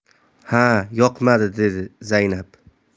ha yoqmadi dedi zaynab